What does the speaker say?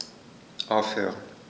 Aufhören.